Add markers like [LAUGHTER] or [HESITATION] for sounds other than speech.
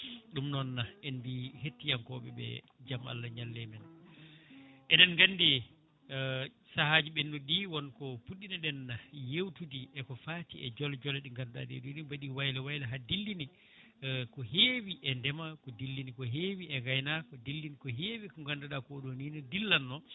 ɗum noon en mbi yettiyankoɓe jaam Allah ñalle men eɗen gandi [HESITATION] saahaji ɓennuɗi ɗi wonko puɗɗino ɗen yewtude eko fati e jole jole ɗe ganduɗa ɗeɗo ni mbaɗi waylo waylo ha dilli [HESITATION] ko hewi e ndeema dillini hewi e gaynaka dillini hewi ko ganduɗa koɗoni ne dillanno